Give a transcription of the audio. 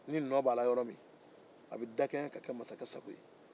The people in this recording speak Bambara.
ni nɔ b'a la yɔrɔ min na a bɛ labɛn ka kɛ masakɛ sago ye